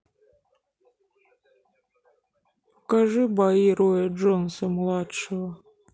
покажи бои роя джонса младшего